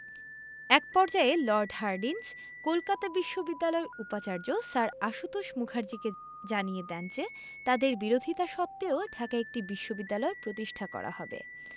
এক পর্যায়ে Lord Hardinge Kolkata বিশ্ববিদ্যালয়ের উপাচার্য স্যার আশুতোষ মুখার্জীকে জানিয়ে দেন যে তাঁদের বিরোধিতা সত্ত্বেও ঢাকায় একটি বিশ্ববিদ্যালয় প্রতিষ্ঠা করা হবে